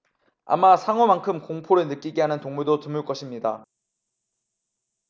아마 상어만큼 공포를 느끼게 하는 동물도 드물 것입니다